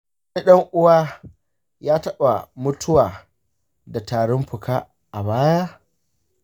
wani ɗan uwa ya taɓa mutuwa da tarin fuka a baya?